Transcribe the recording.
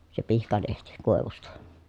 se pihkalehti koivusta